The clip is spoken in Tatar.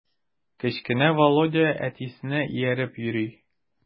Кечкенә Володя әтисенә ияреп йөри.